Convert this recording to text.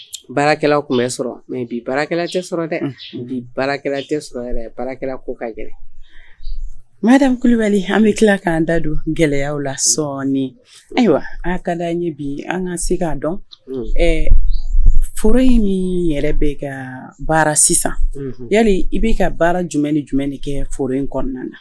Baarakɛlaw tun bɛ sɔrɔ mɛ bi baarakɛla sɔrɔ dɛ bi baara baarakɛla ko kaɛrɛ maren kulubali an bɛ tila ka da don gɛlɛya la sɔɔni ayiwa ha ka an ɲɛ bi an ka se k'a dɔn ɛ foro in min yɛrɛ bɛ ka baara sisan ya i bɛ ka baara jumɛn ni jumɛnni kɛ foro in kɔnɔna na